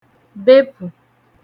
bepù